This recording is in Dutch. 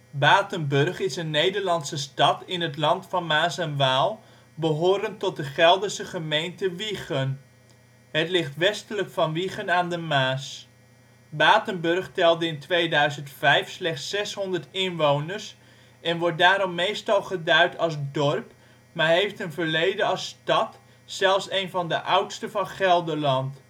Batenburg is een Nederlandse stad in het Land van Maas en Waal, behorend tot de Gelderse gemeente Wijchen. Het ligt westelijk van Wijchen aan de Maas. Batenburg telde in 2005 slechts 600 inwoners en wordt daarom meestal geduid als dorp maar heeft een verleden als stad, zelfs één van de oudste van Gelderland